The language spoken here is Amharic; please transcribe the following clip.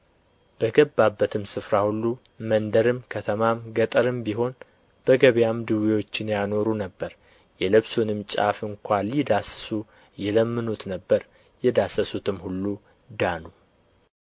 በገባበትም ስፍራ ሁሉ መንደርም ከተማም ገጠርም ቢሆን በገበያ ድውዮችን ያኖሩ ነበር የልብሱንም ጫፍ እንኳ ሊዳስሱ ይለምኑት ነበር የዳሰሱትም ሁሉ ዳኑ